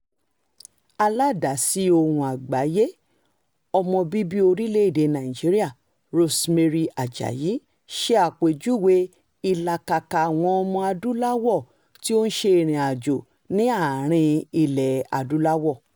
Aládàásí Ohùn Àgbáyé ọmọbíbí orílẹ̀-èdè Nàìjíríà Rosemary Àjàyí ṣe àpèjúwe "ìlàkàkà àwọn ọmọ-adúláwọ̀ tí ó ń ṣe ìrìnàjò ní àárín ilẹ̀-adúláwọ̀ ":